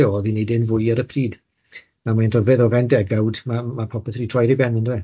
Wel mewn debyg o fewn degawd, ma- ma' popeth wedi troi ar ei ben yndyfe?